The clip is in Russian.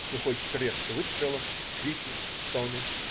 Сухой треск выстрелов, крики, стоны.